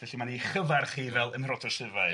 Felly mae'n ei chyfar chi fel ymharodras Rhufain.